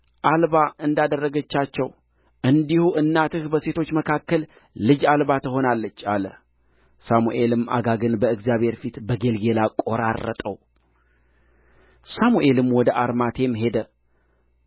አልባ እንዳደረገቻቸው እንዲሁ እናትህ በሴቶች መካከል ልጅ አልባ ትሆናለች አለ ሳሙኤልም አጋግን በእግዚአብሔር ፊት በጌልገላ ቈራረጠው ሳሙኤልም ወደ አርማቴም ሄደ